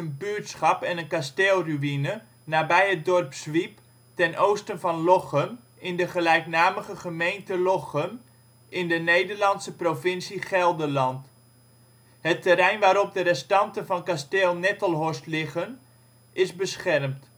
buurtschap en een kasteelruïne nabij het dorp Zwiep ten oosten van Lochem in de gelijknamige gemeente Lochem in de Nederlandse provincie Gelderland. Het terrein waarop de restanten van kasteel Nettelhorst liggen, is beschermd